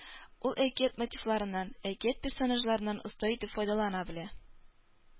Ул әкият мотивларыннан, әкият персонажларыннан оста итеп файдалана белә